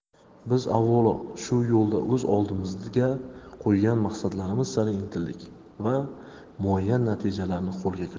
biz avvalo shu yo'lda o'z oldimizga qo'ygan maqsadlarimiz sari intildik va muayyan natijalarni qo'lga kiritdik